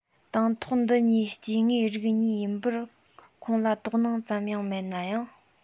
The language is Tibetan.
དང ཐོག འདི གཉིས སྐྱེ དངོས རིགས གཉིས ཡིན པར ཁོང ལ དོགས སྣང ཙམ ཡང མེད ནའང